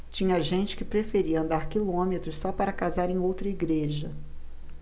tinha gente que preferia andar quilômetros só para casar em outra igreja